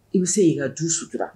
I bɛ se y'i ka du sutura